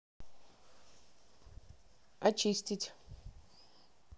очистить